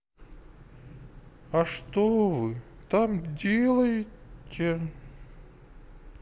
а что вы там делаете